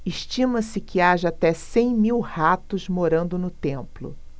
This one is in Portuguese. estima-se que haja até cem mil ratos morando no templo